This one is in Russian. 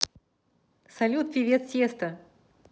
салют певец tiësto